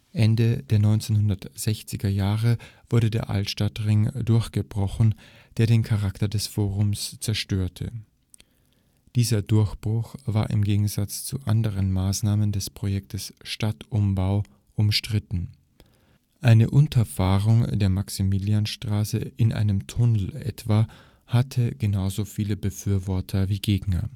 Ende der 1960er Jahre wurde der Altstadtring durchgebrochen, der den Charakter des Forums zerstörte. Dieser Durchbruch war im Gegensatz zu anderen Maßnahmen des Projektes „ Stadtumbau “umstritten: Eine Unterfahrung der Maximiliansstraße in einem Tunnel hatte etwa genauso viele Befürworter wie Gegner